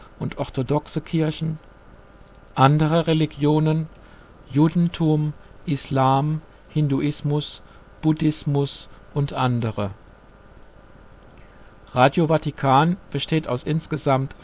Kirchen Andere Religionen (Judentum, Islam, Hinduismus, Buddhismus u.a.) Radio Vatikan besteht aus insgesamt